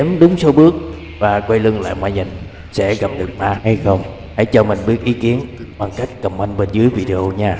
giống như những lời đồn khi đếm đúng số bước và quay lưng lại mà mình sẽ gặp được ma hay không hãy cho mình biết ý kiến bằng cách comment dưới video nha